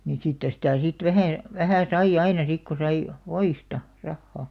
niin siitä sitä sitten vähän vähän sai aina sitten kun sai voista rahaa